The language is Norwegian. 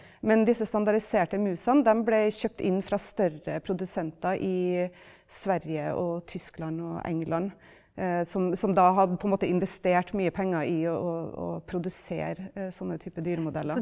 men disse standardiserte musene dem blei kjøpt inn fra større produsenter i Sverige og Tyskland og England som som da hadde på en måte investert mye penger i og og produsere sånne type dyremodeller.